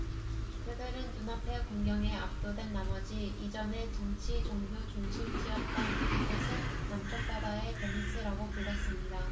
그들은 눈앞의 광경에 압도된 나머지 이전에 정치 종교 중심지였던 이곳을 남쪽 바다의 베니스라고 불렀습니다